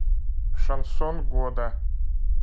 шансон года